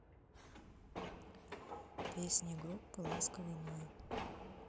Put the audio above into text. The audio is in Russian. песни группы ласковый май